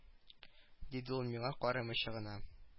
Диде ул миңа карамыйча гына